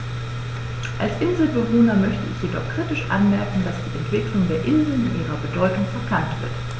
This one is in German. Als Inselbewohner möchte ich jedoch kritisch anmerken, dass die Entwicklung der Inseln in ihrer Bedeutung verkannt wird.